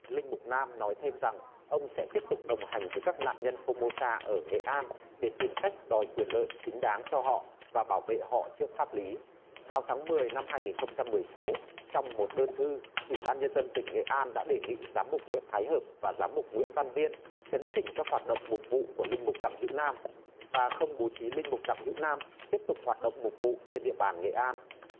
linh mục nam nói thêm rằng ông sẽ tiếp tục đồng hành với các nạn nhân phô mô sa ở nghệ an để tìm cách đòi quyền lợi chính đáng cho họ và bảo vệ họ trước pháp lý vào tháng mười năm hai nghìn không trăm mười sáu trong một đơn thư ủy ban nhân dân tỉnh nghệ an đã đề nghị giám mục nguyễn thái hợp và giám mục nguyễn văn viên chấn chỉnh các hoạt động mục vụ của linh mục đặng hữu nam và không bố trí linh mục đặng hữu nam tiếp tục hoạt động mục vụ trên địa bàn nghệ an